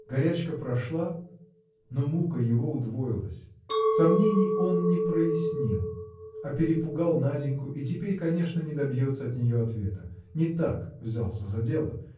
Горячка прошла, но мука его удвоилась. Сомнений он не прояснил а перепугал Наденьку и теперь конечно не добьется от нее ответа не так взялся за дело.